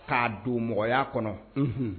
K'a don mɔgɔya kɔnɔ